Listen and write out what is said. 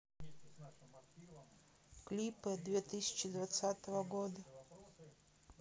клипы две тысячи двадцатого года